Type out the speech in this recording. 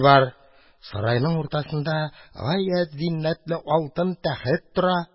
Сарайның уртасында гаять зиннәтле алтын тәхет тора.